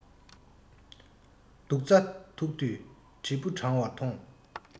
སྡུག རྩ ཐུག དུས སྒྱིད བུ གྲང བ མཐོང